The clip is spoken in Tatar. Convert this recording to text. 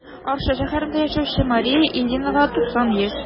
Арча шәһәрендә яшәүче Мария Ильинага 90 яшь.